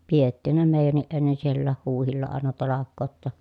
pidettiinhän ne meidänkin ennen siellä huhdilla aina talkoot jotta